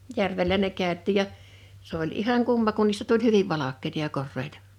järvellä ne käytiin ja se oli ihan kumma kun niistä tuli hyvin valkeita ja koreita